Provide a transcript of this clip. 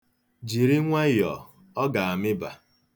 Jiri nwayọọ, ọ ga-amịba.